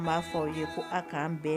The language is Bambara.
N b'a fɔ aw ye ko aw k'an bɛn